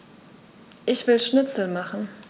Ich will Schnitzel machen.